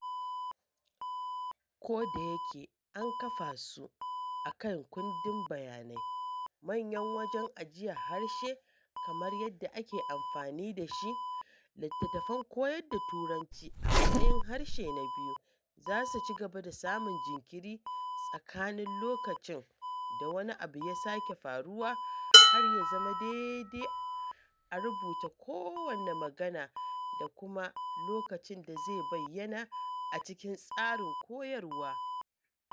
Ko da yake an kafa su a kan “kundin bayanai” — manyan wajen ajiyar harshe kamar yadda ake amfani da shi — littattafan koyar da Turanci a matsayin harshe na biyu za su ci gaba da samun jinkiri tsakanin lokacin da wani abu ya sake faruwa har ya zama daidai a rubutu ko magana da kuma lokacin da zai bayyana a cikin tsarin koyarwa.